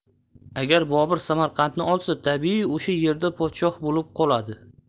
agar bobur samarqandni olsa tabiiy o'sha yerda podshoh bo'lib qoladi